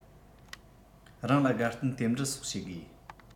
རང ལ དགའ སྟོན རྟེན འབྲེལ སོགས བྱེད དགོས